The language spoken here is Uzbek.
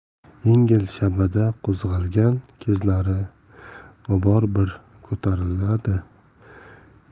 yengil shabada qo'zg'algan kezlari g'ubor bir ko'tariladi